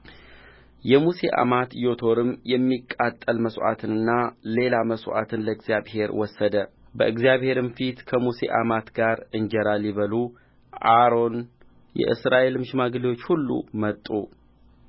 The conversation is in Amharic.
የሙሴ አማት ዮቶርም የሚቃጠል መሥዋዕትንና ሌላ መሥዋዕትን ለእግዚአብሔር ወሰደ በእግዚአብሔርም ፊት ከሙሴ አማት ጋር እንጀራ ሊበሉ አሮን የእስራኤልም ሽማግሌዎች ሁሉ መጡ